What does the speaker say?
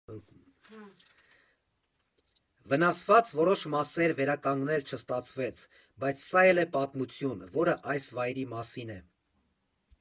Վնասված որոշ մասեր վերականգնել չստացվեց, բայց սա էլ է պատմություն, որը այս վայրի մասին է։